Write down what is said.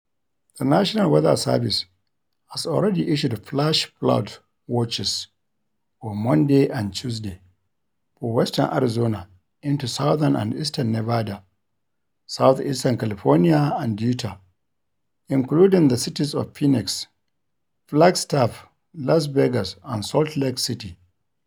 The National Weather Service has already issued flash flood watches for Monday and Tuesday for western Arizona into southern and eastern Nevada, southeastern California and Utah, including the cities of Phoenix, Flagstaff, Las Vegas, and Salt Lake City.